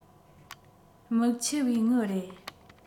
མིག ཆུ བའི དངུལ རེད